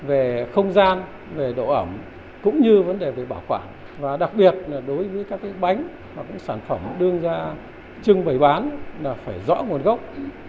về không gian về độ ẩm cũng như vấn đề về bảo quản và đặc biệt là đối với các cái bánh hoặc những sản phẩm đưa ra trưng bày bán là phải rõ nguồn gốc